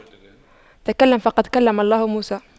تكلم فقد كلم الله موسى